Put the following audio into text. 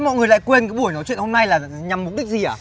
mọi người lại quên cái buổi nói chuyện hôm nay là là nhằm mục đích gì à